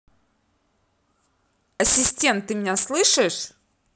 ассистент ты меня слышишь